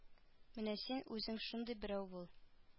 Менә син үзең шундый берәү бул